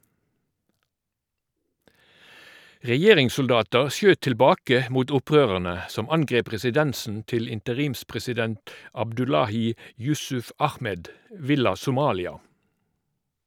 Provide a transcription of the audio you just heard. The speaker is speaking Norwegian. Regjeringssoldater skjøt tilbake mot opprørerne som angrep residensen til interimspresident Abdullahi Yusuf Ahmed, Villa Somalia.